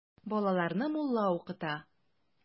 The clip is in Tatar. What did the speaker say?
Балаларны мулла укыта.